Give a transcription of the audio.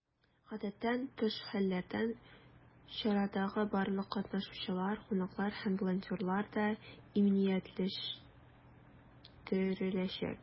Гадәттән тыш хәлләрдән чарадагы барлык катнашучылар, кунаклар һәм волонтерлар да иминиятләштереләчәк.